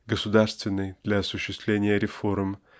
государственной -- для осуществления "реформ"